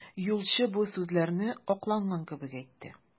Юлчы бу сүзләрне акланган кебек әйтте.